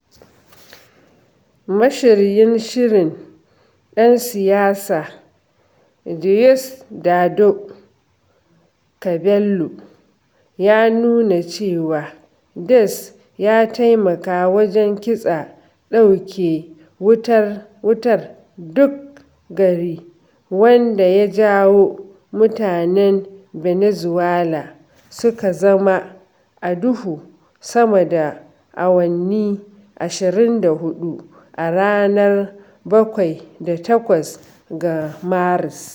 Mashiryin shirin, ɗan siyasa Diosdado Cabello, ya nuna cewa Diaz ya taimaka wajen kitsa ɗauke wutar duk gari wanda ya jawo mutanen ɓenezuela suke zama a duhu sama da awanni 24 a ranar 7 da 8 ga Maris.